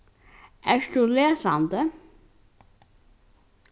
ert tú lesandi